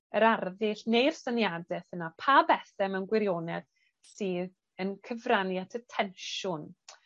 yr arddull neu'r syniadeth yna, pa bethe mewn gwirionedd sydd yn cyfrannu at y tensiwn.